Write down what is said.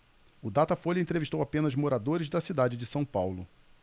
o datafolha entrevistou apenas moradores da cidade de são paulo